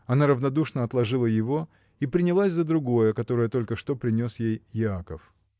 Она равнодушно отложила его и принялась за другое, которое только что принес ей Яков.